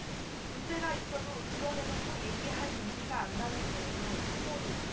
문제가 있어도 드러내놓고 얘기할 용기가 안 나는 거예요 소녀들이